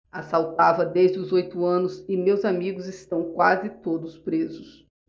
assaltava desde os oito anos e meus amigos estão quase todos presos